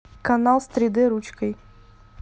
канал с три д ручкой